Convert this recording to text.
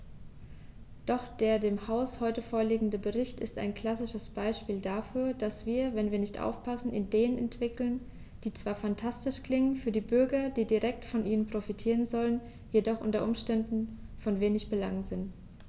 Doch der dem Haus heute vorliegende Bericht ist ein klassisches Beispiel dafür, dass wir, wenn wir nicht aufpassen, Ideen entwickeln, die zwar phantastisch klingen, für die Bürger, die direkt von ihnen profitieren sollen, jedoch u. U. von wenig Belang sind.